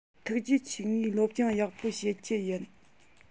ཐུགས རྗེ ཆེ ངས སློབ སྦྱོང ཡག པོ བྱེད རྒྱུ ཡིན